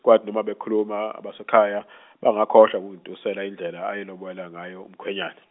kwathi noma bekhuluma abasekhaya bangakhohlwa untusela indlela ayelobola ngayo umkhwenyana.